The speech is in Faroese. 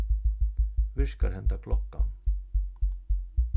virkar henda klokkan